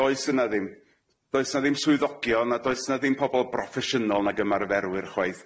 Does yna ddim. Does 'na ddim swyddogion a does na ddim pobol broffesiynol nag ymarferwyr chwaith.